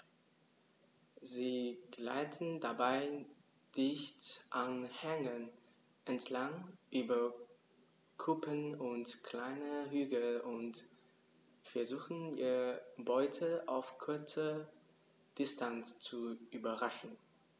Sie gleiten dabei dicht an Hängen entlang, über Kuppen und kleine Hügel und versuchen ihre Beute auf kurze Distanz zu überraschen.